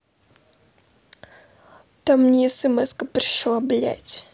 там мне смска пришла блядь